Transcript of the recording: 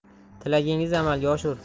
tilagingiz amalga oshur